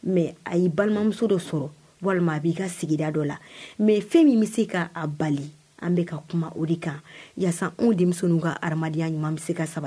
Mais a y'i balima muso dɔ sɔrɔ, walima a b'i ka sigida dɔ la, mais fɛn min bɛ se ka a bali, an bɛka ka kuma o de kan, yaasa anw demisenw ka hadamadenya ɲuman bɛ se ka saba